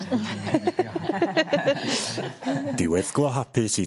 imeddglo hapus i...